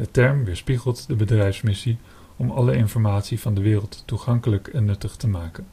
term weerspiegelt de bedrijfsmissie om alle informatie van de wereld toegankelijk en nuttig te maken